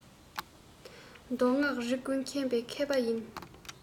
མདོ སྔགས རིག ཀུན མཁྱེན པའི མཁས པ ཡིན